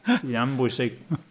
Hynna'm yn bwysig.